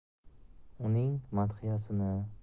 uning madhiyasini doniyorchalik